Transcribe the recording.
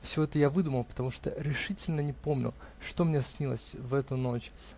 Все это я выдумал, потому что решительно не помнил, что мне снилось в эту ночь